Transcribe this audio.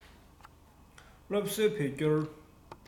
སློབ གསོའི བོད སྐྱོར